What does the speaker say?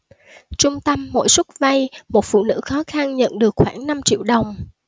trung tâm mỗi suất vay một phụ nữ khó khăn nhận được khoảng năm triệu đồng